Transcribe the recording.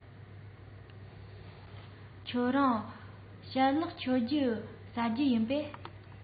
ཁྱེད རང ཞལ ལག མཆོད རྒྱུ བཟའ རྒྱུ ཡིན པས